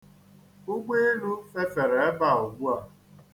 Ugboelu fefere ebe a ugbua.